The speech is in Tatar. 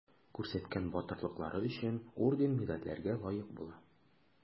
Күрсәткән батырлыклары өчен орден-медальләргә лаек була.